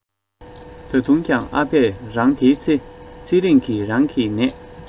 ད དུང ཀྱང ཨ ཕས རང དེའི ཚེ ཚེ རིང གི རང གི གནད